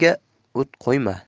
ko'rpaga o't qo'yma